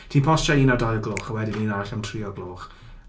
Ti'n postio un am dau o gloch a wedyn un arall am tri o'r gloch...